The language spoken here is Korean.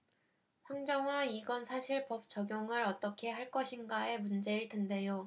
황정화 이건 사실 법 적용을 어떻게 할 것인가의 문제일 텐데요